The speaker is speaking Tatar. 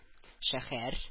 Шәһәр